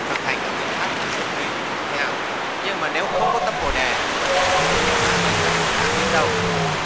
thực hành các thiện pháp là rất quý nhưng mà nếu không có tâm bồ đề thì cái thiện pháp ấy dẫn chúng ta đi đến đâu